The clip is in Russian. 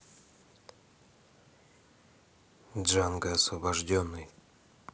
джанго освобожденный